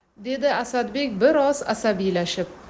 dedi asadbek bir oz asabiylashib